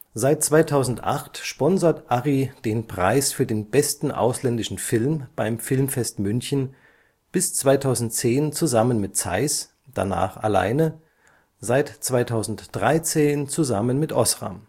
Seit 2008 sponsert Arri den Preis für den besten ausländischen Film beim Filmfest München, bis 2010 zusammen mit Zeiss, danach alleine, seit 2013 zusammen mit Osram